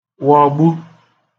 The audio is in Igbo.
wọgbu